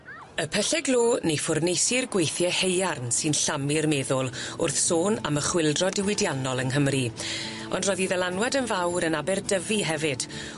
Y pylle glo neu ffwrneisi'r gweithie haearn sy'n llamu'r meddwl wrth sôn am y chwyldro diwydiannol yng Nghymru ond roedd 'i ddylanwad yn fawr yn Aberdyfi hefyd